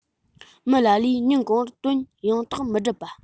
མི ལ ལས ཉིན གང པོར དོན ཡང དག མི སྒྲུབ པ